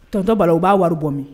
Tonton Balla u b'a wari bɔ min?